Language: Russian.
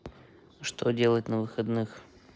что делать на выходных